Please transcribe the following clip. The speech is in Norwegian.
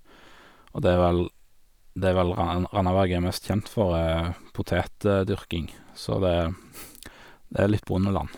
Og det er vel det vel ran Randaberg er mest kjent for, er potetdyrking, så det det er litt bondeland.